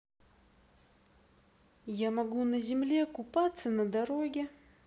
я могу на земле купаться на дороге